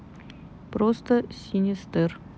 просто синистер